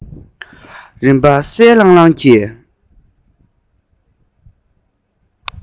རིམ པར གསལ ལྷང ལྷང གི